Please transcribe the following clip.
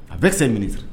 Avec ses ministres